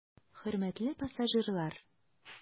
Хөрмәтле пассажирлар!